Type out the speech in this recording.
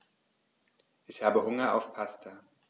Ich habe Hunger auf Pasta.